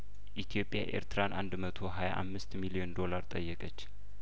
ኢትዮጵያ ኤርትራን አንድ መቶ ሀያአምስት ሚሊዮን ዶላር ጠየቀች